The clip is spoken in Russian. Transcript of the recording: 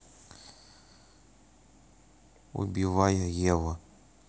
убивая еву